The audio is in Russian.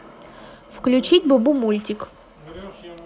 включить бубу мультик